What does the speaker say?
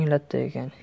latta ekan